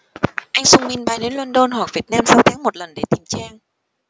anh sung min bay đến london hoặc việt nam sáu tháng một lần để tìm trang